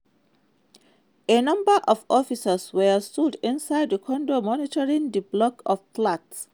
A number of officers were stood inside the cordon monitoring the block of flats.